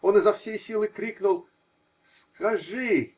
он изо всей силы крикнул: -- Скажи!!!